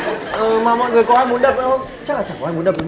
ờ mà mọi người có ai muốn đập nữa không chắc là chẳng có ai muốn đập nữa